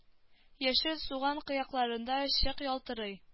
Яшел суган кыякларында чык елтырый